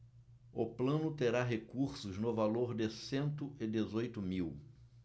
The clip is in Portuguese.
o plano terá recursos no valor de cento e dezoito mil